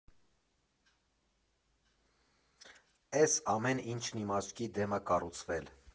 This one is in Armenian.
Էս ամեն ինչն իմ աչքի դեմն ա կառուցվել։